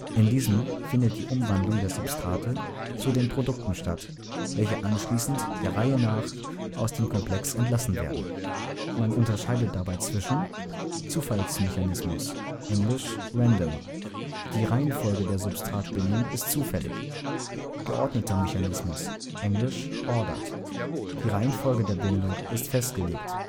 In diesem findet die Umwandlung der Substrate zu den Produkten statt, welche anschließend der Reihe nach aus dem Komplex entlassen werden. Man unterscheidet dabei zwischen: Zufalls-Mechanismus (engl. random): Die Reihenfolge der Substratbindung ist zufällig. Geordneter Mechanismus (engl. ordered): Die Reihenfolge der Bindung ist festgelegt